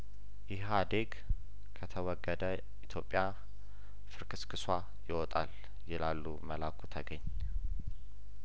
ኢህአዴግ ከተወገደ ኢትዮጵያ ፍርክስክሷ ይወጣል ይላሉ መላኩ ተገኝ